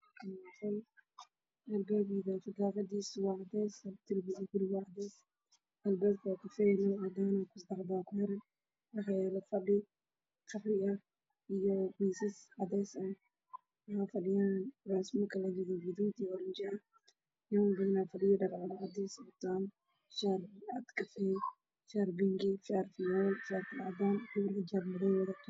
Halkaan waxaa ka muuqdo niman iyo hal dumar ah oo meel fadhiyo miis qaxwi iyo cadaan ahna gacmaha ay saarteen